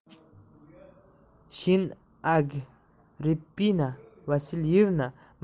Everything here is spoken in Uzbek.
shin agrippina vasilyevna